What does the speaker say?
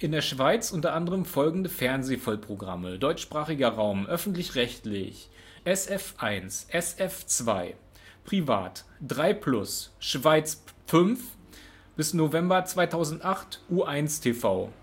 der Schweiz unter anderem folgende Fernseh-Vollprogramme (deutschsprachiger Raum): öffentlich-rechtlich: SF1 SF zwei privat: 3plus Schweiz 5 (bis November 2008 U1 TV